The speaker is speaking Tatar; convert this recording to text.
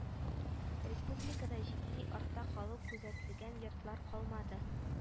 Республикада җитди артта калу күзәтелгән йортлар калмады